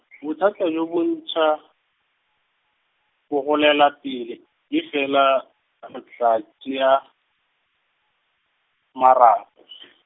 bothata bjo bo ntšha, bo golela pele, e fela, re tla tšea, marapo.